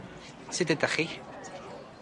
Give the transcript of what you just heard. Sud ydach chi?